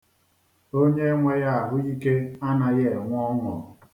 Onye enweghị ahụike anaghị enwe ọṅụ.